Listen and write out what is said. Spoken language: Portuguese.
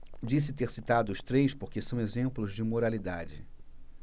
disse ter citado os três porque são exemplos de moralidade